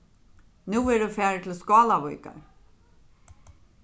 nú verður farið til skálavíkar